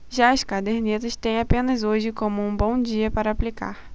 já as cadernetas têm apenas hoje como um bom dia para aplicar